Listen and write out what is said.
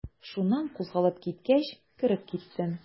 Шуннан кузгалып киткәч, кереп киттем.